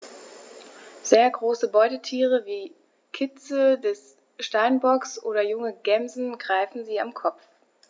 Sehr große Beutetiere wie Kitze des Steinbocks oder junge Gämsen greifen sie am Kopf.